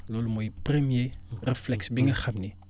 loolu mooy premier réflexe bi nga xam ni